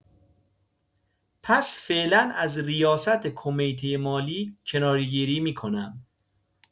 پس فعلا از ریاست کمیته مالی کناره‌گیری می‌کنم؟